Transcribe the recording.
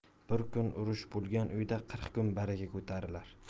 bir kun urush bo'lgan uydan qirq kun baraka ko'tarilar